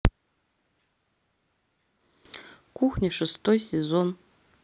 кухня шестой сезон